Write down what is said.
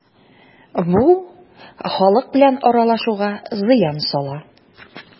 Бу халык белән аралашуга зыян сала.